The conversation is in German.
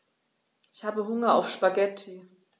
Ich habe Hunger auf Spaghetti.